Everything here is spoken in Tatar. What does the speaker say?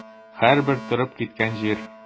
Һәрбер торып киткән җир.